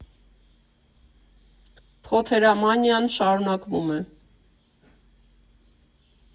Փոթերամանիան շարունակվում է.